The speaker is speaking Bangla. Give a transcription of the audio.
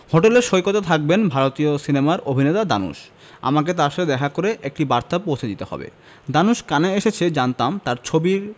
হোটেলের সৈকতে থাকবেন ভারতীয় সিনেমার অভিনেতা ধানুশ আমাকে তার সাথে দেখা করে একটি বার্তা পৌঁছে দিতে হবে ধানুশ কানে এসেছে জানতাম তার ছবির